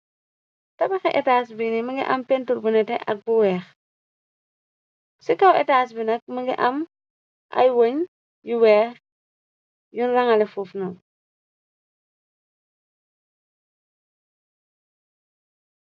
Tabaxe etaas bi ni mëngi am pentur bu nete ak bu weex, ci kaw etaas bi nag mëngi am ay wëñ yu weex yun rangale fuufno.